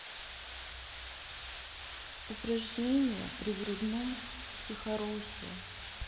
упражнения при грудном все хоросе